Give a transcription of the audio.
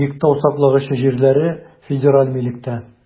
Биектау саклагычы җирләре федераль милектә.